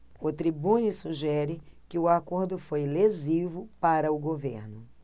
o tribune sugere que o acordo foi lesivo para o governo